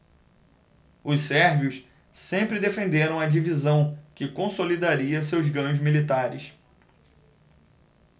os sérvios sempre defenderam a divisão que consolidaria seus ganhos militares